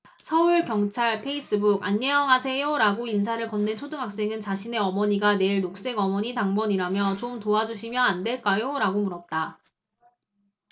서울 경찰 페이스북안녕하세요라고 인사를 건넨 초등학생은 자신의 어머니가 내일 녹색 어머니 당번이라며 좀 도와주시면 안될까요라고 물었다